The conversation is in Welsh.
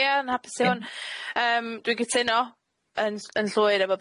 Ia'n hapus i hwn, yym dwi'n cytuno yn s- yn llwyr efo